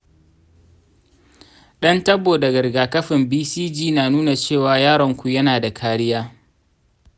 ɗan tabo daga rigakafin bcg na nuna cewa yaronku yana da kariya.